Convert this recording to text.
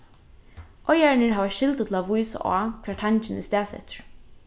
eigararnir hava skyldu til at vísa á hvar tangin er staðsettur